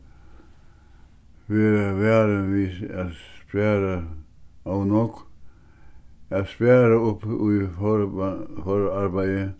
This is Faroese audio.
vera varin at spara ov nógv at spara upp í forarbeiðið